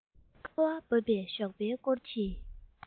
ཁ བ བབས པའི ཞོགས པའི སྐོར གྱི